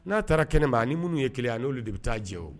N'a taara kɛnɛma ni minnu ye kelen a n'olu de bɛ taa jɛ